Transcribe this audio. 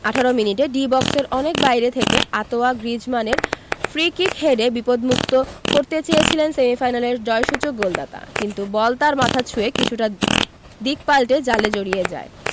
১৮ মিনিটে ডি বক্সের অনেক বাইরে থেকে আঁতোয়া গ্রিজমানের ফ্রিকিক হেডে বিপদমুক্ত করতে চেয়েছিলেন সেমিফাইনালের জয়সূচক গোলদাতা কিন্তু বল তার মাথা ছুঁয়ে কিছুটা দিক পাল্টে জালে জড়িয়ে যায়